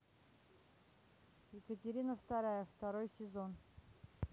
екатерина вторая второй сезон